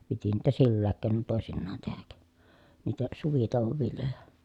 piti niitä sillä keinoin toisinaan tehdä niitä suvitouon viljoja